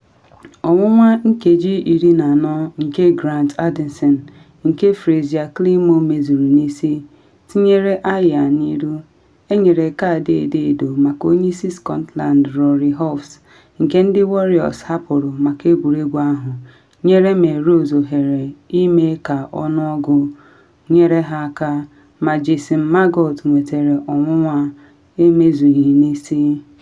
Ọnwụnwa nkeji 14 nke Grant Anderson, nke Frazier Climo mezuru n’isi, tinyere Ayr n’ihu, enyere kaadị edo-edo maka onye isi Scotland Rory Hughes, nke ndị Warriors hapụrụ maka egwuregwu ahụ, nyere Melrose ohere ịme ka ọnụọgụ nyere ha aka, ma Jason Baggot nwetere ọnwụnwa emezughi n’isi.